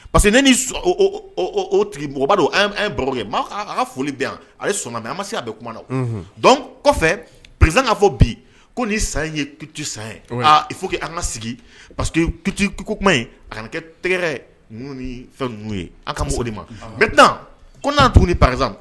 Parce que ne tigi mɔgɔba don ye baro ye ka foli bɛ yan a ye sɔnna mɛ an ma se a bɛ kuma na dɔn kɔfɛ pz ka fɔ bi ko ni sa ye kutu san ye fo' an ka sigi pa que kutu kuma ye a kana kɛ tɛgɛɛrɛ ni fɛn' ye aw ka mɔgɔw de ma n bɛ taa ko n'a tun ni paz